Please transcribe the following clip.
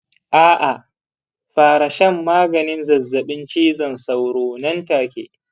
a'a, fara shan maganin zazzabin cizon sauro nan take.